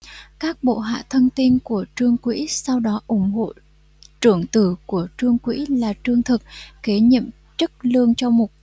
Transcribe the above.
các bộ hạ thân tin của trương quỹ sau đó ủng hộ trưởng tử của trương quỹ là trương thực kế nhiệm chức lương châu mục